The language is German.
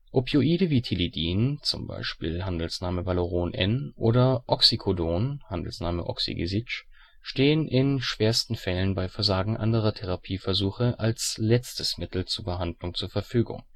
Opioide wie Tilidin (z.B. Valoron N ®) oder Oxycodon (Oxygesic ®) stehen in schwersten Fällen bei Versagen anderer Therapieversuche als letztes Mittel zur Behandlung zur Verfügung